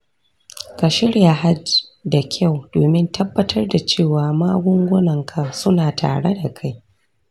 ka shirya hajj da kyau domin tabbatar da cewa magungunanka suna tare da kai.